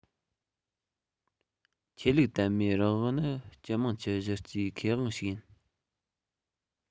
ཆོས ལུགས དད མོས རང དབང ནི སྤྱི དམངས ཀྱི གཞི རྩའི ཁེ དབང ཞིག ཡིན